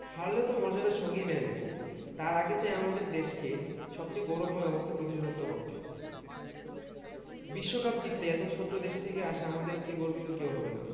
হারলেও তা মর্যাদার সঙ্গেই মেনে নেব তার আগে চাই আমাদের দেশকে সবচেয়ে গৌরবময় অবস্থায় প্রতিনিধিত্ব করতে বিশ্বকাপ জিতলে এত ছোট্ট দেশ থেকে আসা আমাদের চেয়ে গর্বিত কেউ হবে না